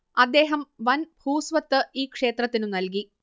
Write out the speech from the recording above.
അദ്ദേഹം വൻ ഭൂസ്വത്ത് ഈ ക്ഷേത്രത്തിനു നൽകി